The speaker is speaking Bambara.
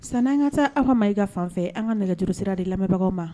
Sani an ka taa Awa Mɛyiga fan fɛ an ka nɛgɛjuru sira di lamɛnbagaw ma.